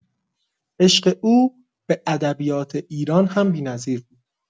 عشق او به ادبیات ایران هم بی‌نظیر بود.